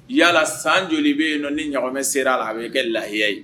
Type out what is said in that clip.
Yalala san joli bɛ yen ni ɲamɛ sera a bɛ kɛ lahiya ye